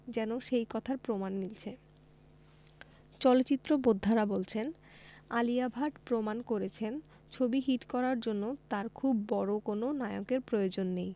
যেন সেই কথার প্রমাণ মিলছে চলচ্চিত্র বোদ্ধারা বলছেন আলিয়া ভাট প্রমাণ করেছেন ছবি হিট করার জন্য তার খুব বড় কোনো নায়কের প্রয়োজন নেই